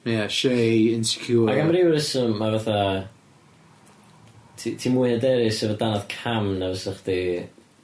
Ie shei insecure. Ag am ryw reswm ma' fatha ti ti'n mwy yderus efo danadd cam na fysa chdi